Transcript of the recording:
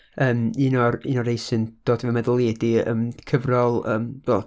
Yym, un o'r, un o'r rei sy'n dod i fy meddwl i ydy, yym, cyfrol, yym, wel...